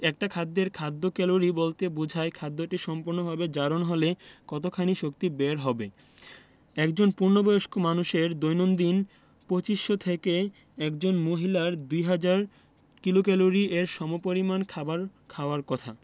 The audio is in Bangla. একটা খাদ্যের খাদ্য ক্যালোরি বলতে বোঝায় খাদ্যটি সম্পূর্ণভাবে জারণ হলে কতখানি শক্তি বের হবে একজন পূর্ণবয়স্ক মানুষের দৈনন্দিন২৫০০ এবং একজন মহিলার ২০০০ কিলোক্যালরি এর সমপরিমান খাবার খাওয়ার কথা